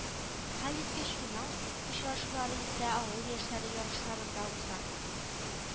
Хәлиткеч финал очрашулары исә Авыл яшьләре ярышларында уза